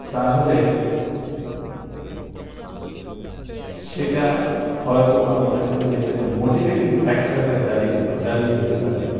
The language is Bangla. তাহলে সেটা হয়তো ওরা মনে করে যে এটা একটা মোটিভেটিং ফ্যাক্টর হয়ে দাঁড়িয়ে দাঁড়িয়ে যেতে পারে